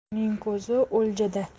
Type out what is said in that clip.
o'g'rining ko'zi o'ljada